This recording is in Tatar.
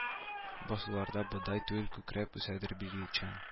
Басуларда бодай түгел күкрәп үсәдер билчән